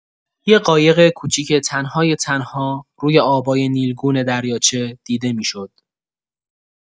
یه قایق کوچیک تن‌های تنها روی آبای نیلگون دریاچه دیده می‌شد.